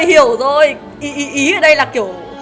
hiểu rồi ý ý ý ở đây kiểu